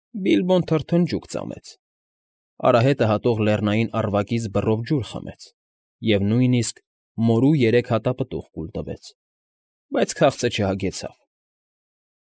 Բիլբոն թրթնջուկ ծամեց, արահետը հատող լեռնային առվակից բռով ջուր խմեց և նույնիսկ մորու երեք հատապտուղ կուլ տվեց, բայց քաղցը չհագեցավ։